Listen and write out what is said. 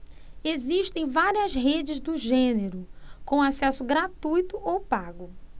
existem várias redes do gênero com acesso gratuito ou pago